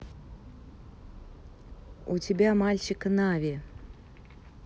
у тебя мальчика нави